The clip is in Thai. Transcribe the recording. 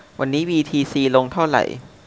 วันนี้บีทีซีลงเท่าไหร่